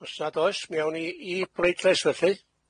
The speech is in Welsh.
Os nad oes mi awn ni i bleidlais felly.